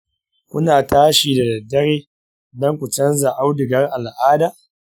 kuna tashi da daddare don ku canza audugar al'ada?